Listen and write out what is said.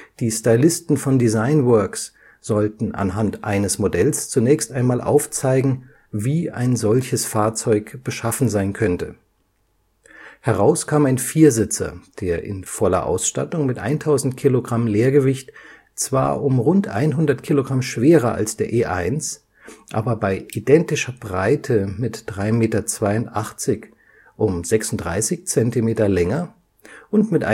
Die Stylisten von Designworks sollten anhand eines Modells zunächst einmal aufzeigen, wie ein solches Fahrzeug beschaffen sein könnte. Heraus kam ein Viersitzer, der in voller Ausstattung mit 1000 kg Leergewicht zwar um rund 100 kg schwerer als der E1, aber bei identischer Breite mit 3,82 Metern um 36 Zentimeter länger und mit